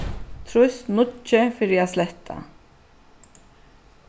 trýst níggju fyri at sletta